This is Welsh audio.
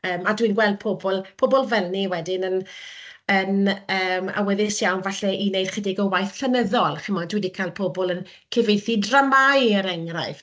Yym a dwi'n gweld pobl pobl fel 'ny wedyn yn yn yym awyddus iawn falle i wneud chydig o waith llenyddol chimod dwi 'di cael pobl yn cyfieithu dramâu er enghraifft,